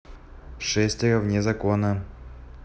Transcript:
шестеро вне закона